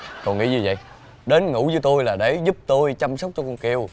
cậu nghĩ gì vậy đến ngủ với tui là để giúp tui chăm sóc cho con kiều